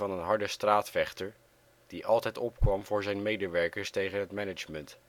harde straatvechter die altijd opkwam voor zijn medewerkers tegen het management